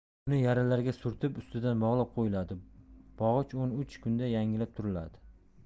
uni yaralarga surtib ustidan bog'lab qo'yiladi bog'ich o'n uch kunda yangilab turiladi